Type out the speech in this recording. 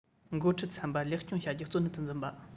འགོ ཁྲིད ཚན པ ལེགས སྐྱོང བྱ རྒྱུ གཙོ གནད དུ འཛིན པ